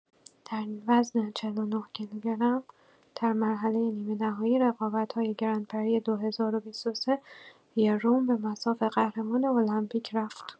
در وزن ۴۹ - کیلوگرم، در مرحله نیمه‌نهایی رقابت‌های گرندپری ۲۰۲۳ رم به مصاف قهرمان المپیک رفت.